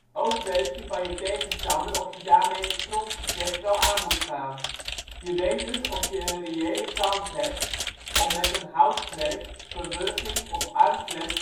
Ook weet je van je tegenstander of je daarmee het grondgevecht wel aan moet gaan. Je weet dus of je een reële kans hebt om met een houdgreep, verwurging of armklem